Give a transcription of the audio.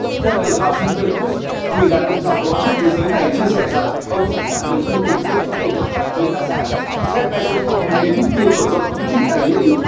theo tờ the washington post người đàn ông giàu có nhất thế giới này chia sẻ rằng ông sẵn sàng đầu tư tiền riêng trong việc hợp tác với nasa jeff bezos mong muốn biến mục tiêu mở rộng vũ trụ thành hiện thực